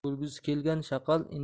o'lgisi kelgan shaqal